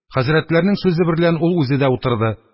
Хәзрәтләрнең сүзе берлән ул үзе дә утырды.